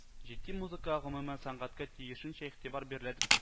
Җитди музыкага, гомумән, сәнгатькә тиешенчә игътибар бирелә д